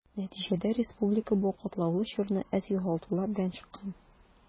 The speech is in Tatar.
Нәтиҗәдә республика бу катлаулы чорны аз югалтулар белән чыккан.